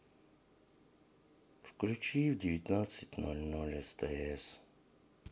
включи в девятнадцать ноль ноль стс